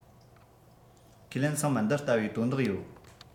ཁས ལེན ཚང མ འདི ལྟ བུའི དོན དག ཡོད